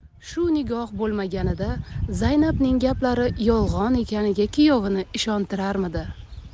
shu nigoh bo'lmaganida zaynab ning gaplari yolg'on ekaniga kuyovini ishontirarmidi